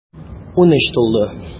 Унөч тулды.